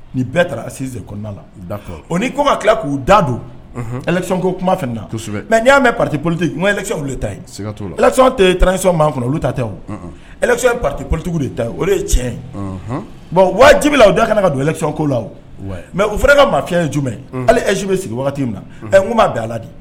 Ni bɛɛ taara asise kɔnɔnada la o ni ko ka tila k'u da don ko kuma na mɛ ni y'a pateolitekisɛw olu de ta tɛ tanransi maa kɔnɔ olu ta tɛ osye pate politigiw de ta o ye tiɲɛ bɔn wajibi la u da kana ka donsonko la mɛ u fana ka mansaya ye jumɛnmɛ hali esi bɛ sigi wagati min na kun b'a bɛ ala la de